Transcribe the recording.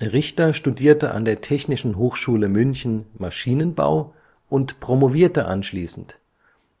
Richter studierte an der Technischen Hochschule München Maschinenbau und promovierte anschließend,